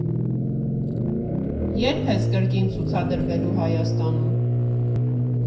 Ե՞րբ ես կրկին ցուցադրվելու Հայաստանում։